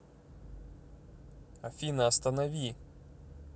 афина останови